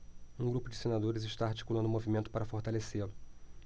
um grupo de senadores está articulando um movimento para fortalecê-lo